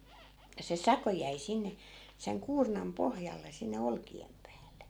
ja se sako jäi sinne sen kuurnan pohjalle sinne olkien päälle